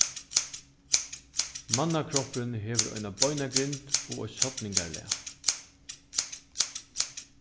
mannakroppurin hevur eina beinagrind og eitt sodningarlag